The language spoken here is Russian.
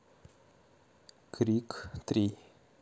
крик три